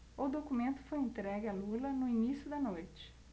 o documento foi entregue a lula no início da noite